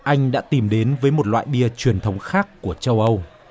anh đã tìm đến với một loại bia truyền thống khác của châu âu